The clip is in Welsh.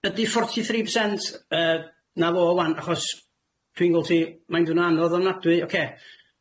Ydi forty three percent y- yy 'na fo ŵan achos, dwi'n gwelt hi... Ma' i'n mynd yn anodd ofnadwy, ocê